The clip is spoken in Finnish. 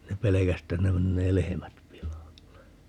ne pelkäsi että ne menee lehmät pilalle